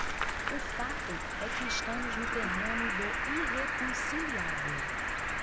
o fato é que estamos no terreno do irreconciliável